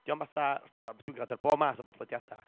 Dio'm fatha, o tibod, dwi'n gwrando ar bob math o bodleidiadau.